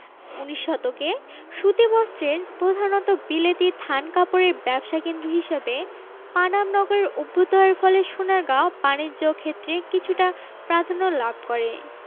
ঊনিশ শতকে সুতিবস্ত্রের প্রধানত বিলেতি থান কাপড়ের ব্যবসাকেন্দ্র হিসেবে পানাম নগরের অভ্যুদয়ের ফলে সোনারগাঁও বাণিজ্য ক্ষেত্রে কিছুটা প্রাধান্য লাভ করে